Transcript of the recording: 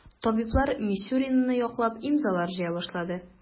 Табиблар Мисюринаны яклап имзалар җыя башлады.